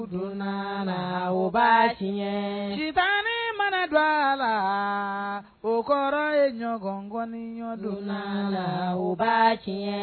Donn'a naa o b'a tiɲɛɛ sitanɛɛ mana do a laa o kɔrɔ ye ɲɔgɔn ŋɔniɲɔ donn'a la o b'a tiɲɛɛ